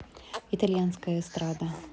итальянская эстрада